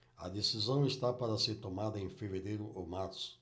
a decisão está para ser tomada em fevereiro ou março